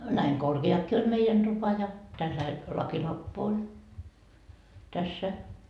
näin korkeakin oli meidän tupa ja tällainen lakilamppu oli tässä